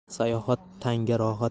sayohat tanga rohat